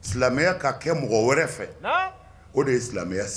Silamɛya ka kɛ mɔgɔ wɛrɛ fɛ o de ye silamɛya sen